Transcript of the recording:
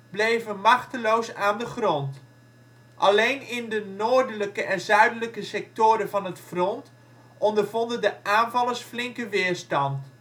bleven machteloos aan de grond. Alleen in de noordelijke en zuidelijke sectoren van het front ondervonden de aanvallers flinke weerstand